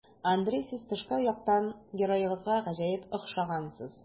Андрей, сез тышкы яктан героегызга гаҗәп охшагансыз.